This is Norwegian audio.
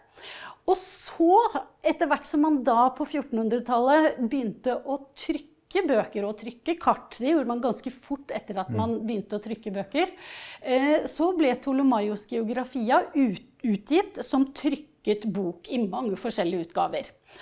og så etter hvert som man da på fjortenhundretallet begynte å trykke bøker og trykke kart, det gjorde man ganske fort etter at man begynte å trykke bøker, så ble Ptolemaios' Geografia utgitt som trykket bok i mange forskjellige utgaver.